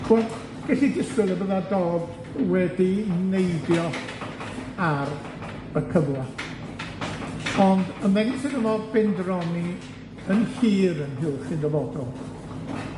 Wel, ges i disgwyl y byddai Dodd wedi neidio ar y cyfla, ond ymddengys iddo fo bendroni yn hir ynghylch ei dyfodol,